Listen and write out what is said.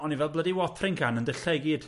O'n i fel blydi watering can yn dylla i gyd.